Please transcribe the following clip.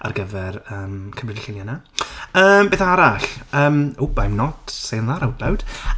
Ar gyfer, yym, cymryd y llunie 'na. Yym, beth arall? Umm, oop, I'm not saying that out loud.